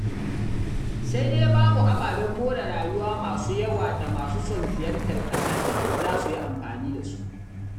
Sai dai babu ababen more rayuwa masu yawa da masu son ziyartar ƙasar za su yi amfani da su.